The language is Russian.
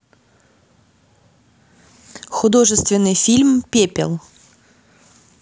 художественный фильм пепел